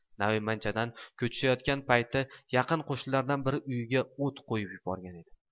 naymanchadan ko'chishayotgan payti yaqin qo'shnilardan biri uyiga o't qo'yib yuborgan edi